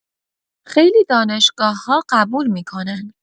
خیلی دانشگاه‌‌ها قبول می‌کنن